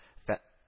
Фә